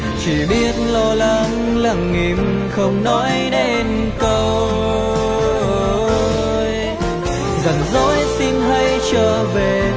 chỉ biết lo lắng lặng im không nói nên câu giận dỗi xin hãy trở về